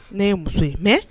Ne ye muso ye mais